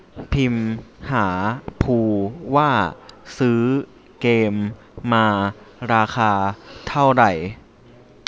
พิมหาภูว่าซื้อเกมมาราคาเท่าไหร่